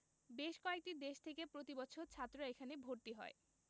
বেশ কয়েকটি দেশ থেকে প্রতি বছর ছাত্ররা এখানে ভর্তি হয়